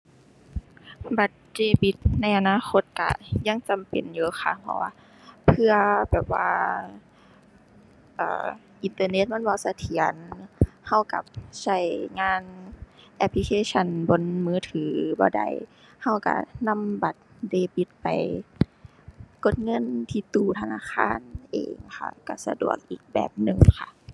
บัตรเดบิตในอนาคตก็ยังจำเป็นอยู่ค่ะ เพราะว่าเพื่อแบบว่า เอ่อ อินเทอร์เน็ตมันบ่เสถียร ก็ก็ใช้งานแอปพลิเคชันบนมือถือบ่ได้ ก็ก็นำบัตรเดบิตไปกดเงินที่ตู้ธนาคารเองค่ะ ก็สะดวกอีกแบบหนึ่งค่ะ